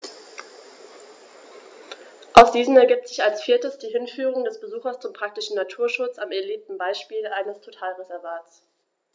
Aus diesen ergibt sich als viertes die Hinführung des Besuchers zum praktischen Naturschutz am erlebten Beispiel eines Totalreservats.